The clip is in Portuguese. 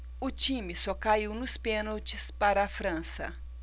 o time só caiu nos pênaltis para a frança